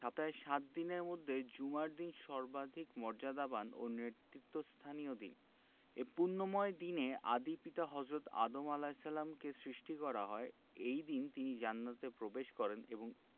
সাপ্তাহের সাত দিনের মধ্যে জুমার দিন সর্বাধিক মর্যাদাবান ও নেতৃত্বস্থানীয় দিন এ পুণ্যময় দিনে আদি পিতা হজরত আদম আ কে সৃষ্টি করা হয় এদিন তিনি জান্নাতে প্রবেশ করেন এবং